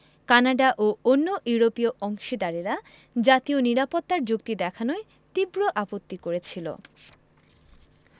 Canada ও অন্য ইউরোপীয় অংশীদারেরা জাতীয় নিরাপত্তা র যুক্তি দেখানোয় তীব্র আপত্তি করেছিল